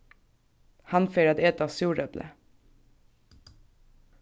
hann fer at eta súreplið